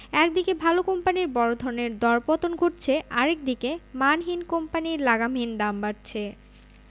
একদিকে ভালো কোম্পানির বড় ধরনের দরপতন ঘটছে আরেক দিকে মানহীন কোম্পানির লাগামহীন দাম বাড়ছে